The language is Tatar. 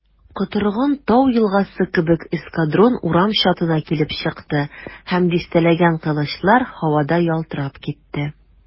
Котырган тау елгасы кебек эскадрон урам чатына килеп чыкты, һәм дистәләгән кылычлар һавада ялтырап китте.